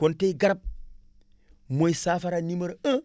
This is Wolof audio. kon tey garab mooy saafara numéro un